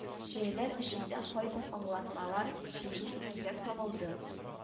Җәяләр эчендә кайбер аңлатмалар бирү кирәк табылды